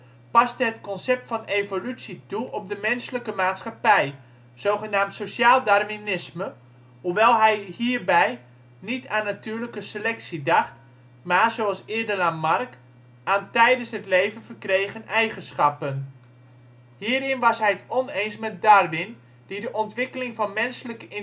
de menselijke maatschappij (zogenaamd sociaal darwinisme), hoewel hij hierbij niet aan natuurlijke selectie dacht, maar zoals eerder Lamarck aan tijdens het leven verkregen eigenschappen. Hierin was hij het oneens met Darwin, die de ontwikkeling van menselijke